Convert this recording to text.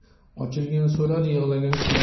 ochilgan so'lar yig'lagan kular